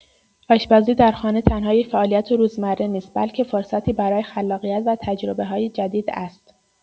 آشپزی در خانه تنها یک فعالیت روزمره نیست، بلکه فرصتی برای خلاقیت و تجربه‌های جدید است.